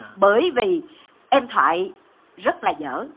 bới vì em thoại rất là dở